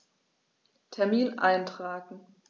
Termin eintragen